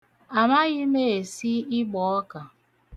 Amaghị esi ịgbọọka.